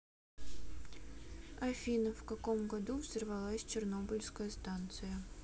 афина в каком году взорвался чернобыльская станция